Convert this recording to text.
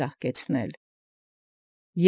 Ծաղկեցուցանել և։